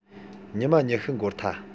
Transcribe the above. ཉི མ ཉི ཤུ འགོར ཐལ